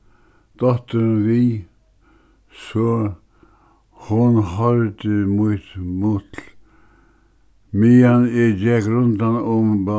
dóttirin við so hon hoyrdi mítt mutl meðan eg gekk rundan um